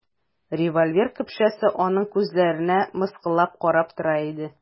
Револьвер көпшәсе аның күзләренә мыскыллап карап тора иде.